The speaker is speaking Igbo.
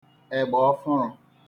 ẹgbaọfụ̀rụ